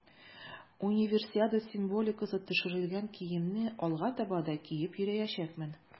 Универсиада символикасы төшерелгән киемне алга таба да киеп йөриячәкмен.